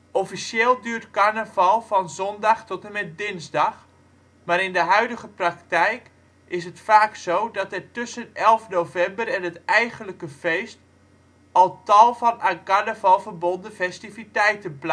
Officieel duurt carnaval van zondag tot en met dinsdag, maar in de huidige praktijk is het vaak zo dat er tussen 11 november en het eigenlijke feest al tal van aan carnaval verbonden festiviteiten plaatsvinden